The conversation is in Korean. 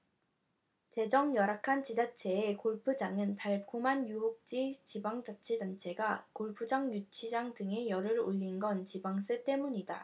재정 열악한 지자체에 골프장은 달콤한 유혹지방자치단체가 골프장 유치 등에 열을 올린 건 지방세 때문이다